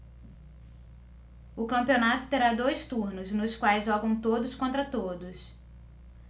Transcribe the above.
o campeonato terá dois turnos nos quais jogam todos contra todos